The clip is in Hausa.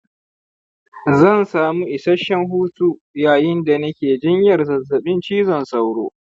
zan samu isasshen hutu yayin da nake jinyar zazzaɓin cizon sauro.